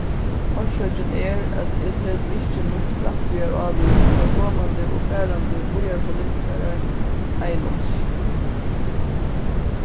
orsøkin er at eg seti ikki mítt framtíðarálit á komandi og farandi býarpolitikarar einans